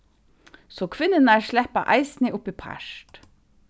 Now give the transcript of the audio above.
so kvinnurnar sleppa eisini upp í part